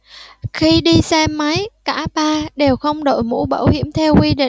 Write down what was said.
khi đi xe máy cả ba đều không đội mũ bảo hiểm theo quy định